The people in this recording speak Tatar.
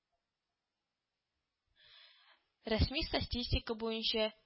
Рәсми статистика буенча